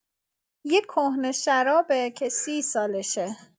یه کهنه شرابه که سی سالشه.